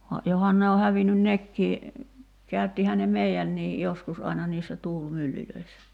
vaan johan ne on hävinnyt nekin käyttihän ne meidänkin joskus aina niissä tuulimyllyissä